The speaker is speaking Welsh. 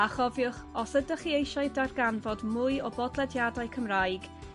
A chofiwch os ydych chi eisiau darganfod mwy o bodlediadau Cymraeg